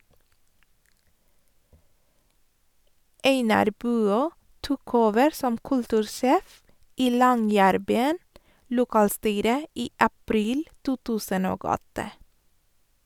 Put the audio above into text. Einar Buø tok over som kultursjef i Longyearbyen lokalstyre i april 2008.